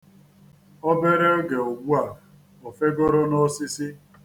Obere oge ugbua, o fegoro n'osisi.